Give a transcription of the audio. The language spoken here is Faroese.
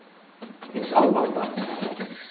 hins alvalda